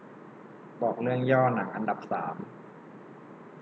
บอกเรื่องย่อหนังอันดับสาม